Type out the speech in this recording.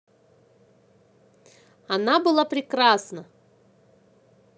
она была прекрасна